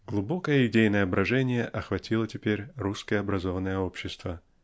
Глубокое идейное брожение охватило теперь русское образованное общество.